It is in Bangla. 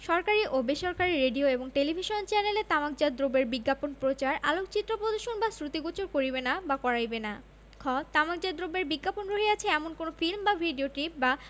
সরকারী ও বেসরকারী রেডিও এবং টেলিভিশন চ্যানেলে তামাকজাত দ্রব্যের বিজ্ঞাপন প্রচার আলেঅকচিত্র প্রদর্শন বা শ্রুতিগোচর করিবে না বা করাইবে না খ তামাকজাত দ্রব্যের বিজ্ঞাপন রহিয়অছে এমন কোন ফিল্ম বা ভিড়িও টিপ বা